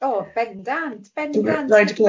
O bendant bendant.